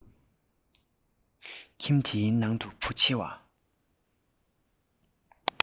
ཁྱིམ འདིའི ནང གི བུ ཆེ བ